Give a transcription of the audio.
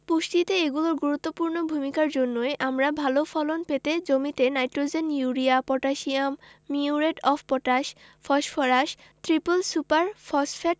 পুষ্টিতে এগুলোর গুরুত্বপূর্ণ ভূমিকার জন্যই আমরা ভালো ফলন পেতে জমিতে nitrogen urea potassium muriate of potash phosphorus triple super phosphate